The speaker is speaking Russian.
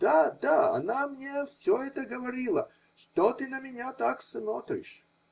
Да, да, она мне все это говорила. Что ты на меня так смотришь?